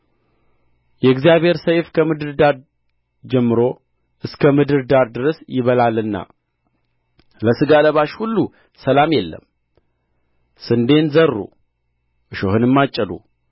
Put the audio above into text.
የእግዚአብሔር ሰይፍ ከምድር ዳር ጀምሮ እስከ ምድር ዳር ድረስ ይበላልና ለሥጋ ለባሽ ሁሉ ሰላም የለም ስንዴን ዘሩ እሾህንም አጨዱ